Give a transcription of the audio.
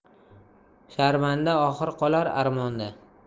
sharmanda oxir qolar armonda